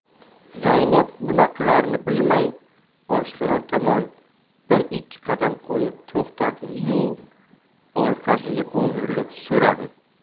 zaynab nima qilarini bilmay oshxona tomon bir ikki qadam qo'yib to'xtadi yu orqasiga o'girilib so'radi